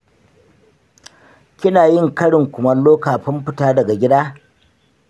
kina yin karin kumallo kafin fita daga gida?